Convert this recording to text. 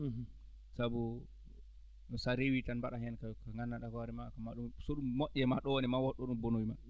sabu so a reewi tan mbaɗaa heen ko ko nganndanɗaa hoore maa maa ɗum so ɗum moƴƴema ɗo ne ma wood ɗo ɗum bonoy e ma